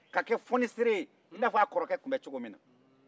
ka kɛ fɔnisere ye i n'a fɔ a kɔrɔkɛ tun bɛ cogo min na